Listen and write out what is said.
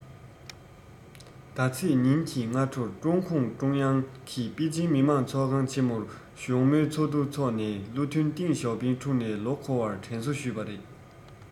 ཟླ ཚེས ཉིན གྱི སྔ དྲོར ཀྲུང གུང ཀྲུང དབྱང གིས པེ ཅིང མི དམངས ཚོགས ཁང ཆེ མོར བཞུགས མོལ ཚོགས འདུ འཚོགས ནས བློ མཐུན ཏེང ཞའོ ཕིང འཁྲུངས ནས ལོ འཁོར བར དྲན གསོ ཞུས པ རེད